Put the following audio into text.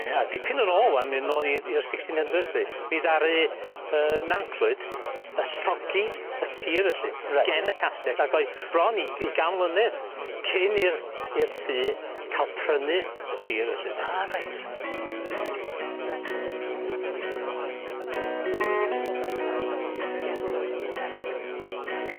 Ia dipyn yn ôl ŵan myn' nôl i i'r sixteen hundreds 'sti mi ddaru yy Nantllwyd yy llogi y tir felly. Reit. gen y castell ag o'i bron i i gan mlynedd cyn i'r i'r tŷ ca'l prynu y tir felly de. Ah reit.